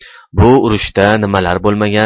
bu urushda nimalar bo'lmagan